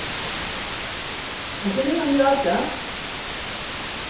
kanst tú minna meg á tað